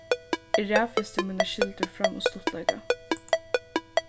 eg raðfesti mínar skyldur fram um stuttleika